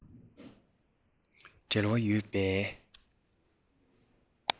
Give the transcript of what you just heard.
འབྲེལ བ ཡོད པའི